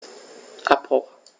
Abbruch.